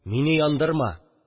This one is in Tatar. «мине яндырма!..»